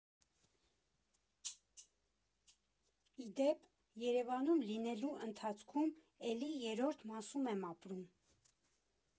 Ի դեպ, Երևանում լինելու ընթացքում էլի Երրորդ մասում եմ ապրում։